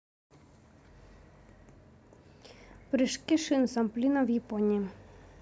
прыжки шин самплина в японии